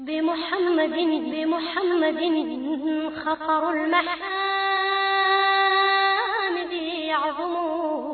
Denmusoninunɛminila yo